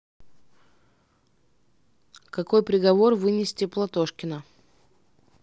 какой приговор вынести платошкина